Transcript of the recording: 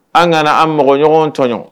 An kana an mɔgɔɲɔgɔn tɔɲɔ